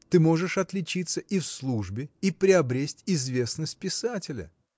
Ты можешь отличиться и в службе и приобресть известность писателя.